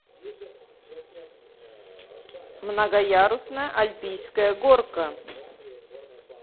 многоярусная альпийская горка